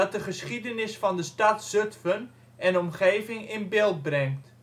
de geschiedenis van de stad Zutphen en omgeving in beeld brengt